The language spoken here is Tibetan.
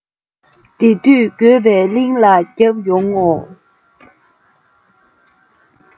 དེ དུས འགྱོད པའི གླིང ལ བརྒྱབ ཡོང ངོ